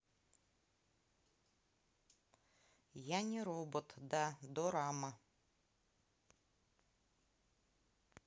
я не робот да дорама